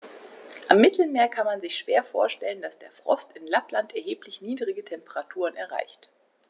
Am Mittelmeer kann man sich schwer vorstellen, dass der Frost in Lappland erheblich niedrigere Temperaturen erreicht.